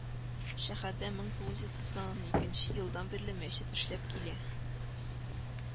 Шәһәрдә мең тугыз йөз туксан икенче елдан бирле мәчет эшләп килә